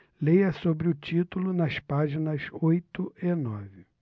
leia sobre o título nas páginas oito e nove